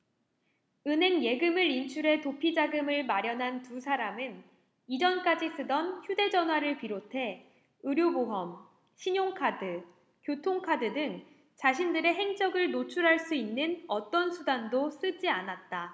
은행 예금을 인출해 도피자금을 마련한 두 사람은 이전까지 쓰던 휴대전화를 비롯해 의료보험 신용카드 교통카드 등 자신들의 행적을 노출할 수 있는 어떤 수단도 쓰지 않았다